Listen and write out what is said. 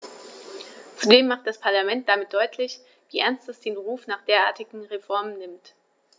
Zudem macht das Parlament damit deutlich, wie ernst es den Ruf nach derartigen Reformen nimmt.